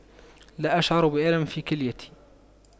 لا أشعر بألم في كليتي